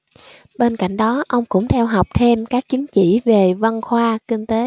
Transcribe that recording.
bên cạnh đó ông cũng theo học thêm các chứng chỉ về văn khoa kinh tế